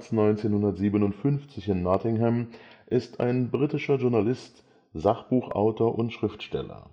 1957 in Nottingham) ist ein britischer Journalist, Sachbuchautor und Schriftsteller